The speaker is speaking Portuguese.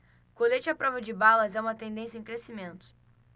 colete à prova de balas é uma tendência em crescimento